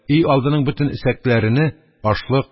Өйалдының бөтен өсәкләрене ашлык,